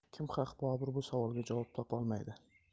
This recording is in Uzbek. kim haq bobur bu savolga javob topolmaydi